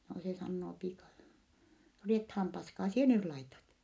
no se sanoo piika no riettaan paskaa sinä nyt laitat